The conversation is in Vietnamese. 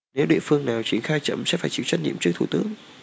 nếu địa phương nào triển khai chậm sẽ phải chịu trách nhiệm trước thủ tướng